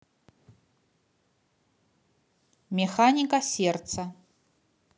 механика сердца